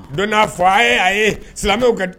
Don'a fɔ a ye a ye silamɛw